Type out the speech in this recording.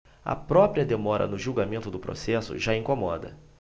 a própria demora no julgamento do processo já incomoda